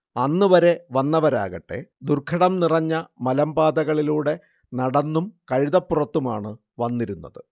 അന്നുവരെ വന്നവരാകട്ടേ ദുർഘടം നിറഞ്ഞ മലമ്പാതകളിലൂടെ നടന്നും കഴുതപ്പുറത്തുമാണ് വന്നിരുന്നത്